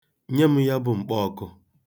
Nye m ya bụ mkpọọkụ.